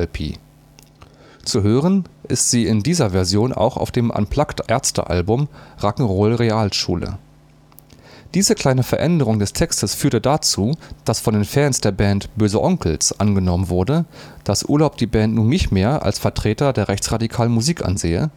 Kuschelrock-LP “. Zu hören ist sie in dieser Version auch auf dem Unplugged-Ärzte-Album Rock’ n’ Roll Realschule. Diese kleine Veränderung des Textes führte dazu, dass von den Fans der Band Böhse Onkelz angenommen wurde, dass Urlaub die Band nun nicht mehr als Vertreter der rechtsradikalen Musik ansähe